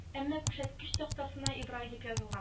Әмма күрсәткеч тактасына ибрай дип язылган